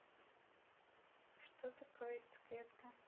что такое яйцеклетка